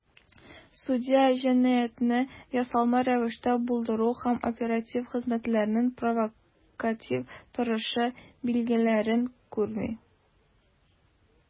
Судья "җинаятьне ясалма рәвештә булдыру" һәм "оператив хезмәткәрләрнең провокатив торышы" билгеләрен күрми.